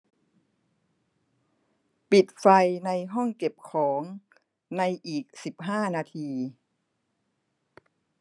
ปิดไฟในห้องเก็บของในอีกสิบห้านาที